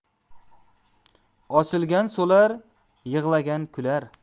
ochilgan so'lar yig'lagan kular